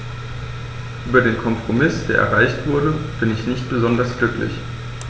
Über den Kompromiss, der erreicht wurde, bin ich nicht besonders glücklich.